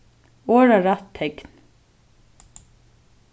orðarætt tekn